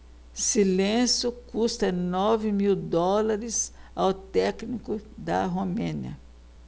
silêncio custa nove mil dólares ao técnico da romênia